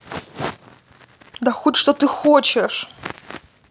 да хуть что ты хочешь